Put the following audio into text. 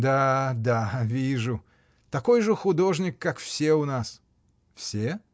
— Да, да, вижу: такой же художник, как все у нас. — Все?